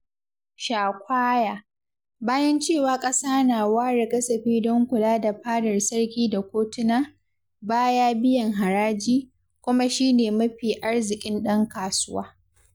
charquaoia: Bayan cewa ƙasa na ware kasafi don kula da fadar sarki da kotuna, ba ya biyan haraji, kuma shi ne mafi arziƙin ɗan kasuwa.